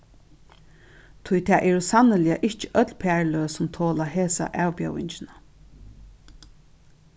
tí tað eru sanniliga ikki øll parløg sum tola hesa avbjóðingina